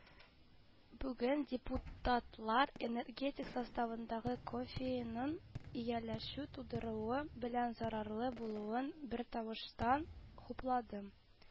Бүген депутатлар “энергетик” составындагы кофеинның ияләшү тудыруы белән зарарлы булуын бертавыштан хуплады